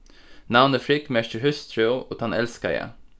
navnið frigg merkir hústrú og tann elskaða